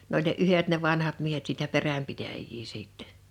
ne oli ne yhdet ne vanhat miehet siitä peränpitäjiä sitten